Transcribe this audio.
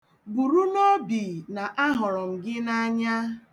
Buru n'obi na a hụrụ m gị n'anya.